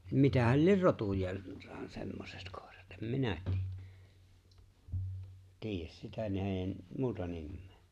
mitähän lie rotujaan semmoiset koirat en minä - tiedä sitä näiden muuta nimeä